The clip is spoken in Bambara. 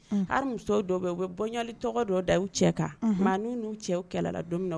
Ali musow dɔw bɛ u bɛ bɔli tɔgɔ dɔ da u cɛ kan, unhun mais n'u ni cɛ kɛlɛ la don